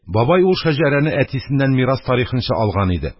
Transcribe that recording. Бабай ул шәҗәрәне әтисеннән мирас тарикынча алган иде.